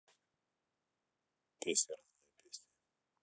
песни разные песни